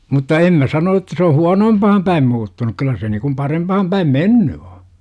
mutta en minä sano että se on huonompaan päin muuttunut kyllä se niin kuin parempaan päin mennyt on